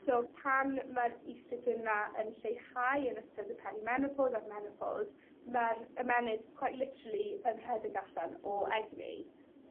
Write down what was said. So pan ma'r estrogen 'na yn lleihau yn ystod y peri-menopos ar menopos ma'r ymennydd quite literally yn rhedeg allan o egni.